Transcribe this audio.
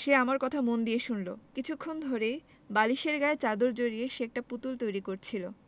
সে আমার কথা মন দিয়ে শুনলো কিছুক্ষণ ধরেই বালিশের গায়ে চাদর জড়িয়ে সে একটা পুতুল তৈরি করছিলো